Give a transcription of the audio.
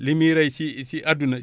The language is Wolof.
li mmiy ray si si si àdduna